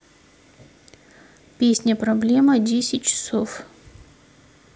песня проблема десять часов